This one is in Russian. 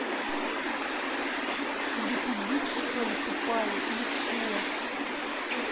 да ты дичь что ли тупая или че